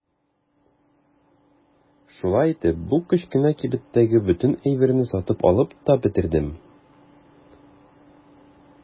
Шулай итеп бу кечкенә кибеттәге бөтен әйберне сатып алып та бетердем.